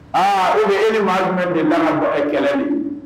Aa e ni e ni maa bɛ de da baara kɛlɛ bi